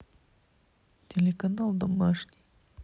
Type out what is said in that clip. телеканал домашний